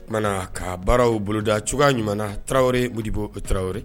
Oumana ka baaraw boloda cogoya ɲuman tarawelere mobo taraweleri